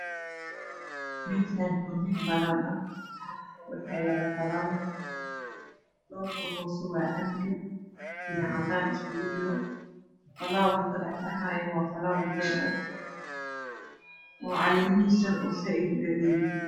Meeshaan waa meel banaan ah waxaa yaalo falower qaybta hoose waa canbi iyo caadan isku jiro falowerka h ka dhexbaxayana waa fallower dheer oo calemihisana ssaaid u dheer dheeryihiin